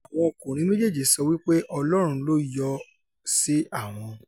Àwọn ọkùnrin méjèèjì sọ wípé Ọlọ́run ló yọ sí àwọn